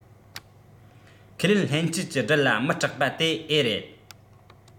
ཁས ལེན ལྷན སྐྱེས ཀྱི སྦྲུལ ལ མི སྐྲག པ དེ ཨེ རེད